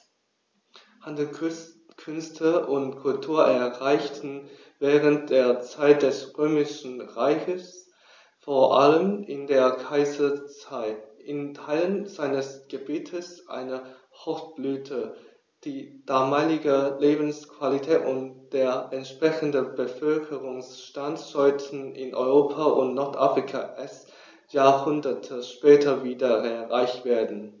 Handel, Künste und Kultur erreichten während der Zeit des Römischen Reiches, vor allem in der Kaiserzeit, in Teilen seines Gebietes eine Hochblüte, die damalige Lebensqualität und der entsprechende Bevölkerungsstand sollten in Europa und Nordafrika erst Jahrhunderte später wieder erreicht werden.